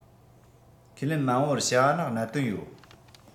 ཁས ལེན མ འོངས པར བྱ བ ནི གནད དོན ཡོད